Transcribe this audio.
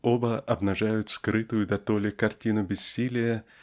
оба обнажают скрытую дотоле картину бессилия